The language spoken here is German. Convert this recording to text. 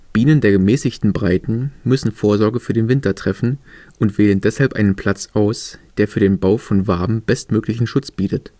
Bienen der gemäßigten Breiten müssen Vorsorge für den Winter treffen und wählen deshalb einen Platz aus, der für den Bau von Waben bestmöglichen Schutz bietet